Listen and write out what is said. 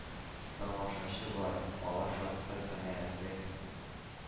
Тамашачы бар! Алар шатлык, канәгатьлек,